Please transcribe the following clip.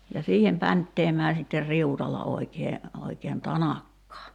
ja siihen pänttäämään sitten riutalla oikein oikein tanakkaa